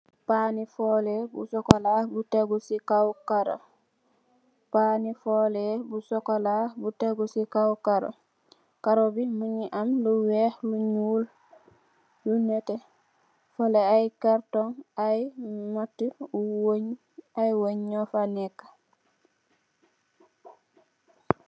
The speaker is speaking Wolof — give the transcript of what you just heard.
Pan ni fuleh bu chocola bu tek guh si kaw karo, karo bi mungi ame ku wekh lu nyul lu neteh faleh aye cartong aye mattuh aye wunye nyufa neka